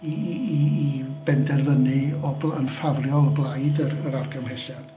I i i i benderfynnu, o bl- yn ffafriol o blaid yr yr argymhelliad.